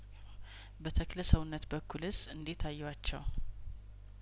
በተክለ ሰውነት በኩልስ እንዴት አዩዋቸው